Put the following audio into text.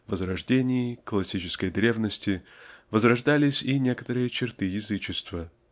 возрождении классической древности возрождались и некоторые черты язычества.